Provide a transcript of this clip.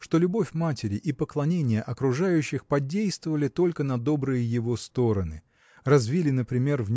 что любовь матери и поклонение окружающих подействовали только на добрые его стороны развили например